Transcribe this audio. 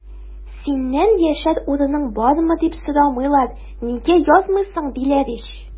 Синнән яшәр урының бармы, дип сорамыйлар, нигә язмыйсың, диләр ич!